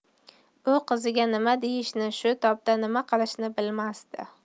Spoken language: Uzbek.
u qiziga nima deyishni shu topda nima qilishni bilmasdi